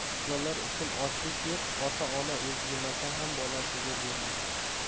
bolalar uchun ochlik yo'q ota ona o'zi yemasa ham bolasiga beradi